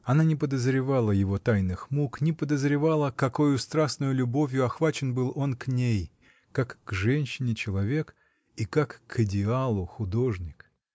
Она не подозревала его тайных мук, не подозревала, какою страстною любовью охвачен был он к ней — как к женщине человек и как к идеалу художник.